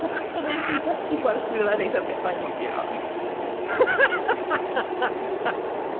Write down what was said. Gobeithio wnes i ddysgu gwers iddo fe wneith e byth anghofio.